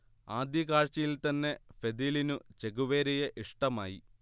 ആദ്യ കാഴ്ചയിൽ തന്നെ ഫെദിലീനു ചെ ഗുവേരയെ ഇഷ്ടമായി